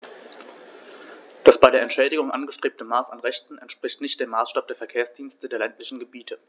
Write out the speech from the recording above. Das bei der Entschädigung angestrebte Maß an Rechten entspricht nicht dem Maßstab der Verkehrsdienste der ländlichen Gebiete.